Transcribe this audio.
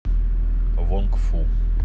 вонг фу